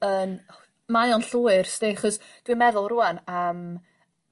..yn ch- mae o'n llwyr 'sti achos dwi'n meddwl rŵan am